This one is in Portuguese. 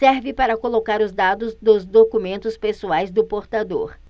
serve para colocar os dados dos documentos pessoais do portador